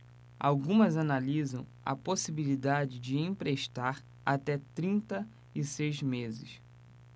algumas analisam a possibilidade de emprestar até trinta e seis meses